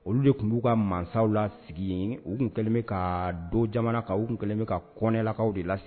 Olu de tun b'u ka masaw lasigi u tun kɛlen ka don jamana kan u kɛlen bɛ ka kɔnɛlakaw de lasesigi